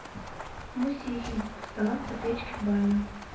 мусихин установка печки в баню